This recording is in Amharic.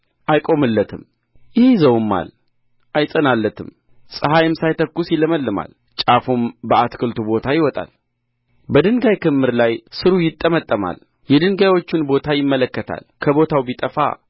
አይቆምለትም ይይዘውማል አይጸናለትም ፀሐይም ሳይተኵስ ይለመልማል ጫፉም በአታክልቱ ቦታ ይወጣል በድንጋይ ክምር ላይ ሥሩ ይጠመጠማል የድንጋዮቹን ቦታ ይመለከታል ከቦታው ቢጠፋ